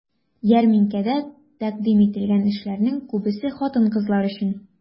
Ярминкәдә тәкъдим ителгән эшләрнең күбесе хатын-кызлар өчен.